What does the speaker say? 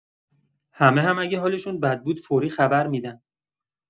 همه هم اگه حالشون بد بود فوری خبر می‌دن.